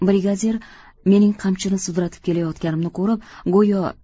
brigadir mening qamchini sudratib kelayotganimni ko'rib